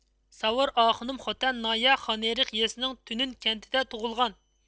ساۋۇر ئاخۇنۇم خوتەن ناھىيە خانئېرىق يېزىسىنىڭ تۈنۈن كەنتىدە تۇغۇلغان